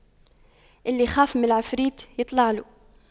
اللي يخاف من العفريت يطلع له